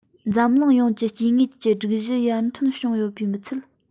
འཛམ གླིང ཡོངས ཀྱི སྐྱེ དངོས ཀྱི སྒྲིག གཞི ཡར ཐོན བྱུང ཡོད པའི མི ཚད